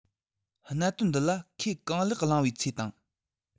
གནད དོན འདི ལ ཁས གང ལེགས བླངས པའི ཚེ དང